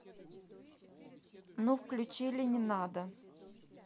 ну включили не надо